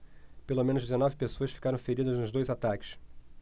pelo menos dezenove pessoas ficaram feridas nos dois ataques